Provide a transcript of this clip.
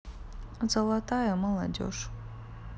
золотая молодежь